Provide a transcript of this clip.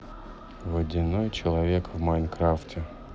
водяной человек в майнкрафте